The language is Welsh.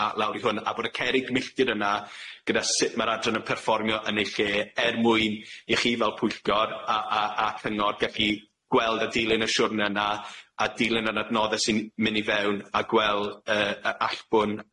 a lawr i hwn a bod y cerrig milltir yna gyda sut ma'r adran yn perfformio yn ei lle er mwyn i chi fel pwyllgor a a a cyngor gallu gweld a dilyn y siwrne na a dilyn yr adnodde sy'n myn' i fewn a gwel' yy yy allbwn